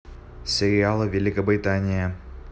сериалы великобритания